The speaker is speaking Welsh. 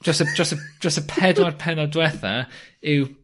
dros y dros y... ...dros y pedwar pennod dwetha yw